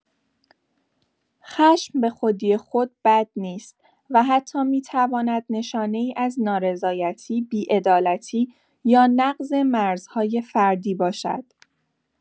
خشم به‌خودی‌خود بد نیست و حتی می‌تواند نشانه‌ای از نارضایتی، بی‌عدالتی یا نقض مرزهای فردی باشد.